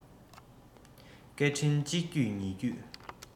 སྐད འཕྲིན གཅིག བརྒྱུད གཉིས བརྒྱུད